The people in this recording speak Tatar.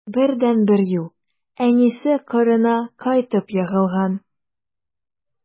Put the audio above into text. Бердәнбер юл: әнисе кырына кайтып егылган.